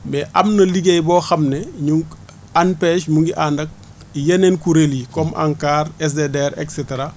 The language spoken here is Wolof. mais am na liggéey boo xam ne ñu ngi ko ANPEJ mu ngi ànd ak yeneen kuréel yi comme ANCAR SDDR et cetera